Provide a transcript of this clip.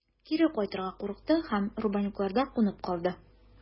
Кире кайтырга курыкты һәм Рубанюкларда кунып калды.